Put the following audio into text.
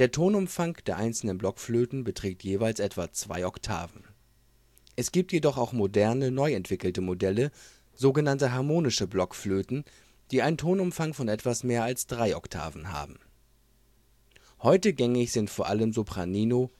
Tonumfang der einzelnen Blockflöten beträgt jeweils etwa 2 Oktaven. Es gibt jedoch auch moderne, neu entwickelte Modelle, so genannte „ harmonische Blockflöten “, die einen Tonumfang von etwas mehr als 3 Oktaven haben. Heute gängig sind vor allem Sopranino